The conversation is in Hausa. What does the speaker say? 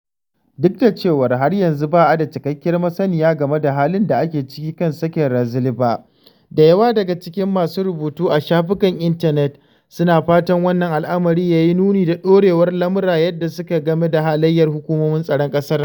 Duk da cewa har yanzu ba a da cikakkiyar masaniya game da halin da ake ciki kan sakin Razily ba, da yawa daga cikin masu rubutu a shafukan intanet suna fatan wannan al’amari yayi nuni da dawowar lamura yanda suke game da halayyar hukumomin tsaron ƙasar.